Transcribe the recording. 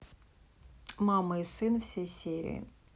мама и сын все серии